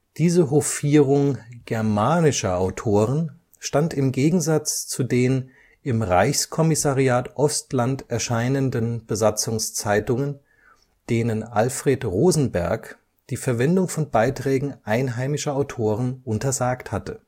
Diese Hofierung „ germanischer “Autoren stand im Gegensatz zu den im Reichskommissariat Ostland erscheinenden Besatzungszeitungen, denen Alfred Rosenberg die Verwendung von Beiträgen einheimischer Autoren untersagt hatte